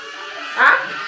ah